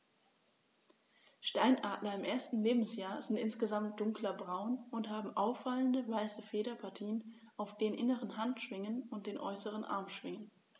Steinadler im ersten Lebensjahr sind insgesamt dunkler braun und haben auffallende, weiße Federpartien auf den inneren Handschwingen und den äußeren Armschwingen.